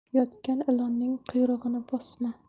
yotgan ilonning quyrug'ini bosma